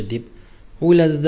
deb uyladi da